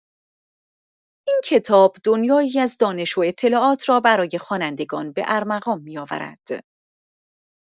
این کتاب دنیایی از دانش و اطلاعات را برای خوانندگان به ارمغان می‌آورد.